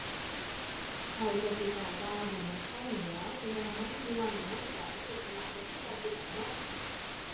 ข้อยก็สิตอบว่าบุญบั้งไฟนั้นแหล้ว ก็ญ้อนว่ามันม่วน แล้วมันก็มีเอกลักษณ์บ่คือจั่งผู้ใดเนาะ